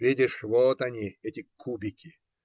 Видишь, вот они, эти кубики.